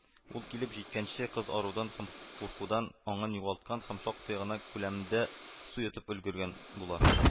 Ул килеп җиткәнче, кыз арудан һәм куркудан аңын югалткан һәм шактый гына күләмдә су йотып өлгергән була